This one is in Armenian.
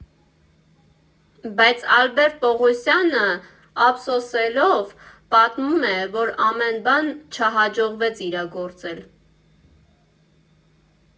Բայց Ալբերտ Պողոսյանը ափսոսանքով պատմում է, որ ամեն բան չհաջողվեց իրագործել։